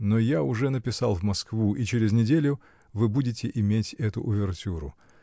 но я уже написал в Москву, и через неделю вы будете иметь эту увертюру.